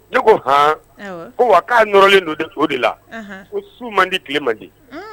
Ne ko han Awɔ .Ko wa ka nɔrɔlen don o de la . Ko su man di kile man di